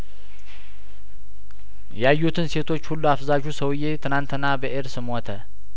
ያዩትን ሴቶች ሁሉ አፍዛዡ ሰውዬ ትላንትና በኤድስ ሞተ